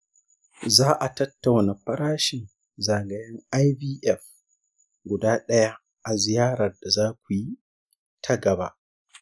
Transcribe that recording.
za a tattauna farashin zagayen ivf guda ɗaya a ziyarar da za ku yi ta gaba.